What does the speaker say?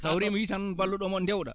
hawre mi wii tan balluɗomo o dewɗa